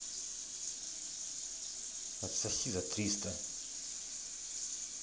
отсоси за триста